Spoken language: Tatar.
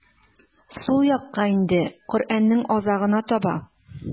Сул якка инде, Коръәннең азагына таба.